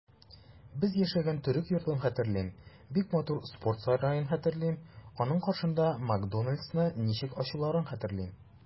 Без яшәгән төрек йортын хәтерлим, бик матур спорт сараен хәтерлим, аның каршында "Макдоналдс"ны ничек ачуларын хәтерлим.